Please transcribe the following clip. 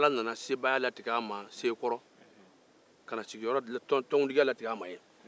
ala nana tɔntigiya latigɛ a ma sekɔrɔ